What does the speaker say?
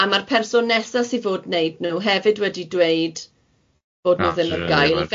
A ma'r person nesa sydd fod neud nw hefyd wedi dweud bod nhw ddim ar gael.